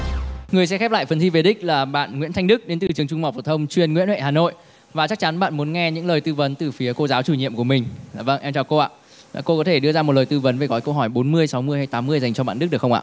người sẽ khép lại phần thi về đích là bạn nguyễn thanh đức đến từ trường trung học phổ thông chuyên nguyễn huệ hà nội và chắc chắn bạn muốn nghe những lời tư vấn từ phía cô giáo chủ nhiệm của mình dạ vâng em chào cô ạ cô có thể đưa ra một lời tư vấn với gói câu hỏi bốn mươi sáu mươi hay tám mươi dành cho bạn đức được không ạ